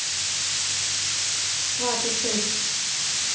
сваты шесть